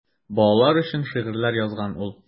Балалар өчен шигырьләр язган ул.